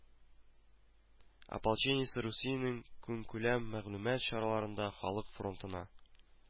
Ополчениесе русиянең кеңкүләм мәгълүмат чараларында халык фронтына